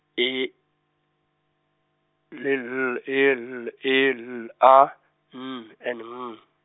E, le L, E L E L A, N and ng-.